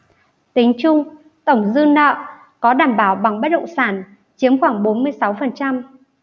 tính chung tổng dư nợ có đảm bảo bằng bất động sản chiếm khoảng bốn mươi sáu phần trăm